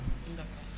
d' accord